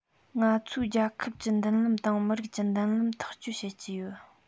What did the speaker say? ང ཚོའི རྒྱལ ཁབ ཀྱི མདུན ལམ དང མི རིགས ཀྱི མདུན ལམ ཐག གཅོད བྱེད ཀྱི ཡོད